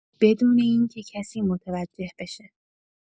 بدون اینکه کسی متوجه بشه